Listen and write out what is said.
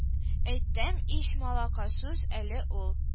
Әйтәм ич малакасус әле ул